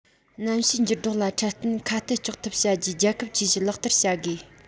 གནམ གཤིས འགྱུར ལྡོག ལ འཕྲལ བསྟུན ཁ གཏད གཅོག ཐབས བྱ རྒྱུའི རྒྱལ ཁབ ཇུས གཞི ལག བསྟར བྱ དགོས